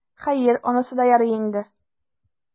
Хәер, анысы да ярый инде.